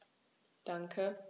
Danke.